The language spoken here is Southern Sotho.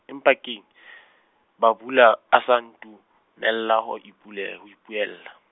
empa keng , Bhabula a sa ntumella ho ipule- ho ipuella?